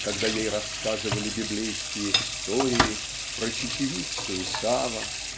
когда ей рассказывали библейские истории про чечевицу Исава